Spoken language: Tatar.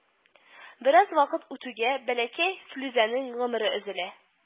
Бераз вакыт үтүгә бәләкәй Флүзәнең гомере өзелә